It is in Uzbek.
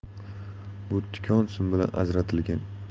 bu tikon sim bilan ajratilgan